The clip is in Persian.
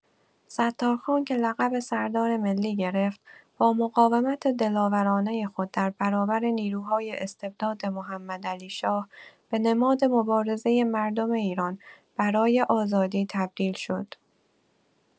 ستارخان که لقب سردار ملی گرفت، با مقاومت دلاورانه خود در برابر نیروهای استبداد محمدعلی‌شاه، به نماد مبارزه مردم ایران برای آزادی تبدیل شد.